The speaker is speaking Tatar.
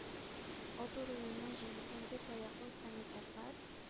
Ат урынына җигелгән дүрт аяклы санитарлар